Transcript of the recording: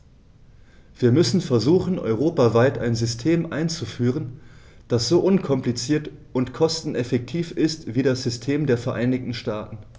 Wir müssen versuchen, europaweit ein System einzuführen, das so unkompliziert und kosteneffektiv ist wie das System der Vereinigten Staaten.